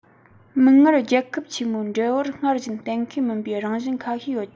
མིག སྔར རྒྱལ ཁབ ཆེན པོའི འབྲེལ བར སྔར བཞིན གཏན ཁེལ མིན པའི རང བཞིན ཁ ཤས ཡོད ཀྱང